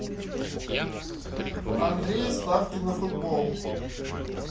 андрей ставки на футбол